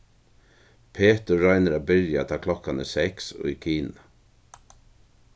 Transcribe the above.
petur roynir at byrja tá klokkan er seks í kina